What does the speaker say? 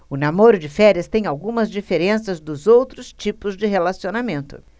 o namoro de férias tem algumas diferenças dos outros tipos de relacionamento